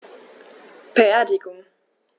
Beerdigung